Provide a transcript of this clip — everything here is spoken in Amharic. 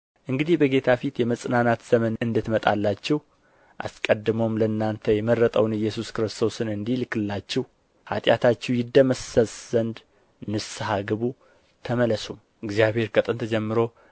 እንግዲህ ከጌታ ፊት የመጽናናት ዘመን እንድትመጣላችሁ አስቀድሞም ለእናንተ የመረጠውን ኢየሱስ ክርስቶስን እንዲልክላችሁ ኃጢአታችሁ ይደመሰስ ዘንድ ንስሐ ግቡ ተመለሱም እግዚአብሔር ከጥንት ጀምሮ